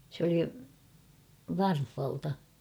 se oli Varhalta